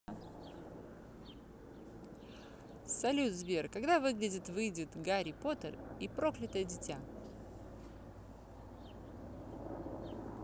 салют сбер когда выглядит выйдет гарри поттер и проклятое дитя